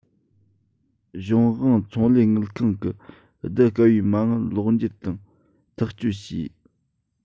གཞུང དབང ཚོང ལས དངུལ ཁང གི བསྡུ དཀའ བའི མ དངུལ ལོགས འབྱེད དང ཐག གཅོད བྱས